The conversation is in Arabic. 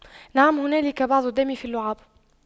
نعم هنالك بعض الدم في اللعاب